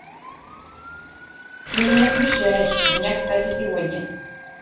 ты меня смущаешь у меня кстати сегодня